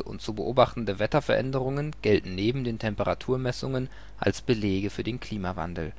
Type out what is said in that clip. und zu beobachtende Wetterveränderungen gelten neben den Temperaturmessungen als Belege für den Klimawandel.